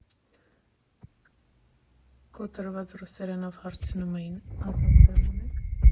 «Կոտրված ռուսերենով հարցնում էին՝ ազատ տեղ ունե՞ք։